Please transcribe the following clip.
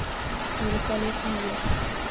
великолепный век